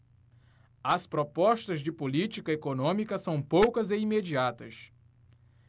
as propostas de política econômica são poucas e imediatas